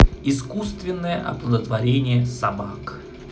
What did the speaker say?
искусственное оплодотворение собак